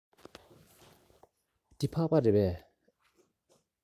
འདི ཕག པ རེད པས